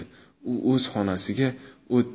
u o'z xonasiga o'tdi